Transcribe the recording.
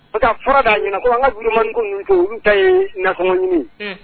N'o tɛ a fɔra de an ɲɛna ko an vidéoman ko ninnu to yen olu ta ye nasɔngɔ ɲini ye, unhun